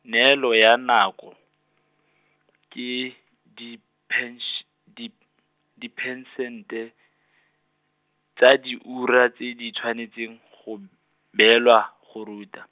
neelo ya nako , ke diphensh- dip- diphesente , tsa diura tse di tshwanetseng go, beelwa go ruta.